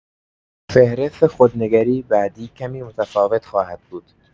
فهرست خودنگری بعدی کمی متفاوت خواهد بود.